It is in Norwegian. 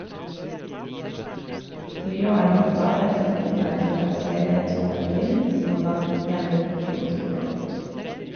Lyon er nå «bare» 13 poeng foran serietoer Lille, som vant 1-0 borte mot Bordeaux.